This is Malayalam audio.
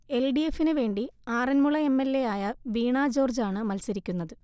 എൽ ഡി എഫിന് വേണ്ടി ആറൻമുള എം എൽ എയായ വീണ ജോർജാണ് മത്സരിക്കുന്നത്